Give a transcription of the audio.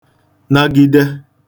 nagide